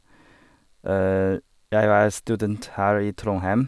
Jeg er student her i Trondheim.